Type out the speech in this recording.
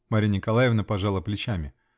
-- Марья Николаевна пожала плечами.